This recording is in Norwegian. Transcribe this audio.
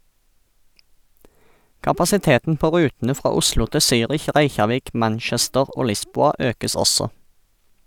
Kapasiteten på rutene fra Oslo til Zürich, Reykjavik, Manchester og Lisboa økes også.